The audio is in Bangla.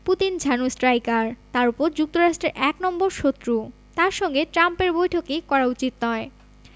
পুতিন ঝানু স্ট্রাইকার তার ওপর যুক্তরাষ্ট্রের এক নম্বর শত্রু তাঁর সঙ্গে ট্রাম্পের বৈঠকই করা উচিত নয়